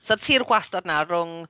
So tir gwastad nawr rhwng...